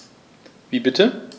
Wie bitte?